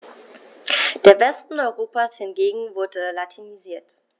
Der Westen Europas hingegen wurde latinisiert.